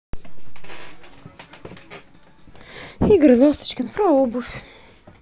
игорь ласточкин про обувь